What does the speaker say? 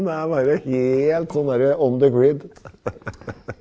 det er bare helt sånn derre .